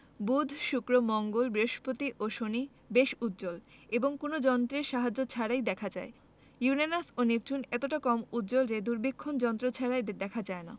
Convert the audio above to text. বুধ শুক্র মঙ্গল বৃহস্পতি ও শনি বেশ উজ্জ্বল এবং কোনো যন্ত্রের সাহায্য ছাড়াই দেখা যায় ইউরেনাস ও নেপচুন এতটা কম উজ্জ্বল যে দূরবীক্ষণ ছাড়া এদের দেখা যায় না